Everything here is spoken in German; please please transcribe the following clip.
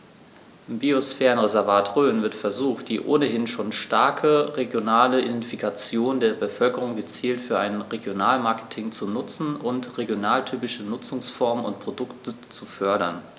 Im Biosphärenreservat Rhön wird versucht, die ohnehin schon starke regionale Identifikation der Bevölkerung gezielt für ein Regionalmarketing zu nutzen und regionaltypische Nutzungsformen und Produkte zu fördern.